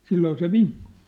silloin se vinkui